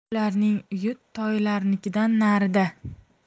ularning uyi toylarnikidan narida